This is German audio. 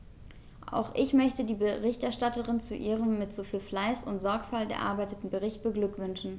Auch ich möchte die Berichterstatterin zu ihrem mit so viel Fleiß und Sorgfalt erarbeiteten Bericht beglückwünschen.